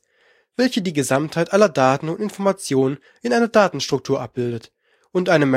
MIB), die die Gesamtheit aller Daten und Informationen in einer Datenstruktur abbildet, und einem